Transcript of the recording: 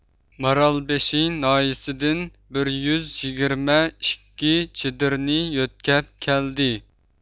مارالبېشى ناھىيىسىدىن بىر يۈز يىگىرمە ئىككى چېدىرنى يۆتكەپ كەلدى